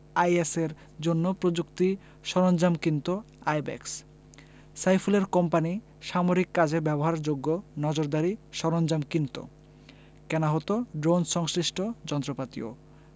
আইএসের জন্য প্রযুক্তি সরঞ্জাম কিনত আইব্যাকস সাইফুলের কোম্পানি সামরিক কাজে ব্যবহারযোগ্য নজরদারি সরঞ্জাম কিনত কেনা হতো ড্রোন সংশ্লিষ্ট যন্ত্রপাতিও